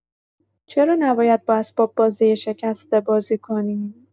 چرا نباید با اسباب‌بازی شکسته بازی کنیم؟